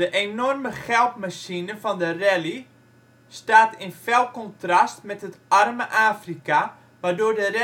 enorme geldmachine van de rally staat in fel contrast met het arme Afrika, waardoor de